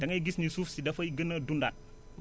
da ngay gis ne suuf si dafay gën a dundaat